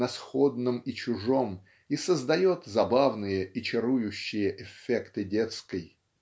на сходном и чужом и создает забавные и чарующие эффекты детской.